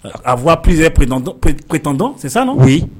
A f fɔ ppzse p pp-tɔn sisansan na koyi